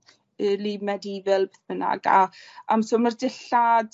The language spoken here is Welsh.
early medeavil beth bynnag a yym so ma'r dillad